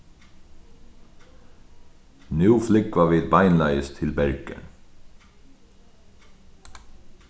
nú flúgva vit beinleiðis til bergen